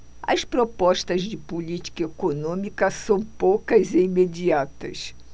as propostas de política econômica são poucas e imediatas